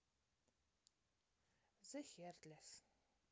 the heartless